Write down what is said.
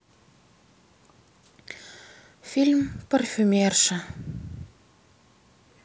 фильм парфюмерша